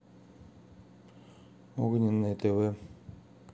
огненное тв